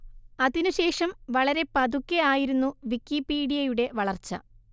അതിനു ശേഷം വളരെ പതുക്കെ ആയിരുന്നു വിക്കിപീഡിയയുടെ വളർച്ച